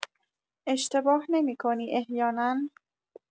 اشتباه نمی‌کنی احیانا؟